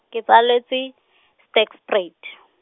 ke tsaletswe, Sterkspruit.